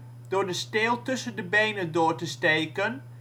steel tussen de benen door te steken